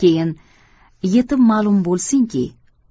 keyin yetib ma'lum bo'lsinki